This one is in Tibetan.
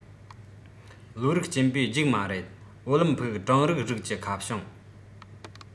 བློ རིག སྐྱེན པོའི རྒྱུགས མ རེད ཨོ ལིམ ཕིག གྲངས རིག རིགས ཀྱི ཁ བྱང